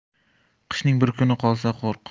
qishning bir kuni qolsa qo'rq